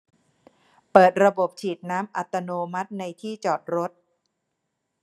เปิดระบบฉีดน้ำอัตโนมัติในที่จอดรถ